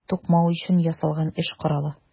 Тукмау өчен ясалган эш коралы.